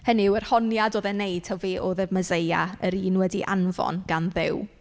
Hynny yw yr honiad oedd e'n gwneud taw fe oedd y Meseia yr un wedi'i anfon gan Dduw.